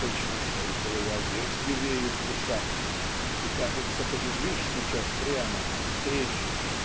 "точно шелковые одежды веют в ушах и кажется побежишь сейчас прямо навстречу